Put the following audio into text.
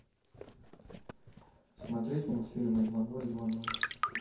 смотреть мультфильмы два ноль два ноль